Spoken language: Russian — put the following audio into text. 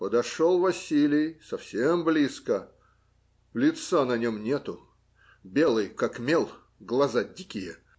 Подошел Василий совсем близко: лица на нем нету, белый, как мел, глаза дикие